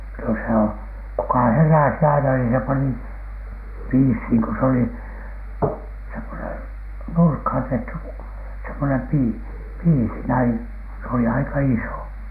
no se - kuka heräsi aina niin se pani piisiin kun se oli semmoinen nurkkaan tehty semmoinen - piisi näin se oli aika iso